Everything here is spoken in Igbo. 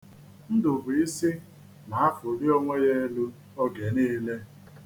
Ndubuisi na-afụli onwe ya elu oge niile.